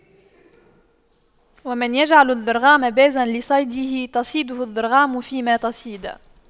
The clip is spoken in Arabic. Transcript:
ومن يجعل الضرغام بازا لصيده تَصَيَّدَهُ الضرغام فيما تصيدا